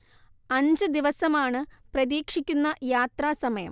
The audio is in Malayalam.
അഞ്ച് ദിവസമാണ് പ്രതീക്ഷിക്കുന്ന യാത്രാസമയം